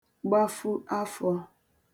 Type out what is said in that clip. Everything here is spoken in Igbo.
gbafu afọ̄